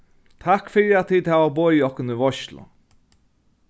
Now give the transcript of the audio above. takk fyri at tit hava boðið okkum í veitslu